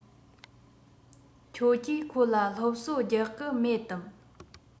ཁྱོད ཀྱིས ཁོ ལ སློབ གསོ རྒྱག གི མེད དམ